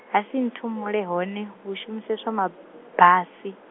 Hasinthumule hone hu shumiseswa mabasi.